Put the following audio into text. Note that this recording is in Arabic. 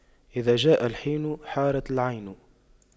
إذا جاء الحين حارت العين